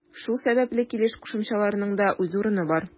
Шул сәбәпле килеш кушымчаларының да үз урыны бар.